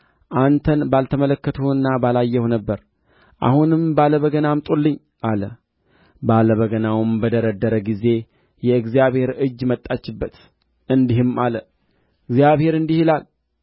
በሞዓብ እጅ ይጥላቸው ዘንድ እግዚአብሔር እነዚህን ሦስት ነገሥታት ጠርቶአል አለው ኤልሳዕም በፊቱ የቆምሁት የሠራዊት ጌታ ሕያው እግዚአብሔርን የይሁዳን ንጉሥ ኢዮሣፍጥን ያላፈርሁ ብሆን ኖሮ